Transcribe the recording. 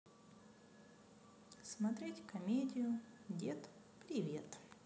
смотреть комедию дед привет